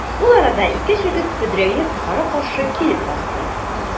Ул арада ике җегет көдрәеп кара-каршы килеп басты.